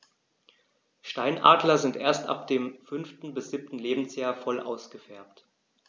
Steinadler sind erst ab dem 5. bis 7. Lebensjahr voll ausgefärbt.